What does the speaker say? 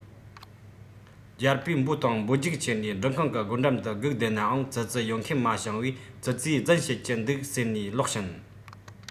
རྒྱལ པོས འབོ དང འབོ རྒྱུགས ཁྱེར ནས འབྲུ ཁང གི སྒོ འགྲམ དུ སྒུག བསྡད ནའང ཙི ཙི ཡོང མཁན མ བྱུང བས ཙི ཙིས རྫུན བཤད ཀྱི འདུག ཟེར ནས ལོག ཕྱིན